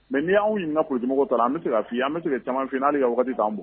Mɛ' anw ɲini ka kojugumɔgɔ ta an bɛ se ka f' an bɛ se caman fɔ n'ale ka waati t' bɔ